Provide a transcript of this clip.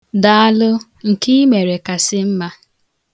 Daalụ! Nke ị mere kasị mma.